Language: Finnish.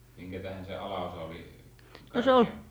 minkä tähden se alaosa oli karkeampaa